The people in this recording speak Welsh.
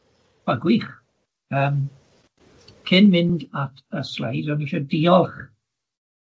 Wel gwych yym cyn mynd at y sleid o'n i isie diolch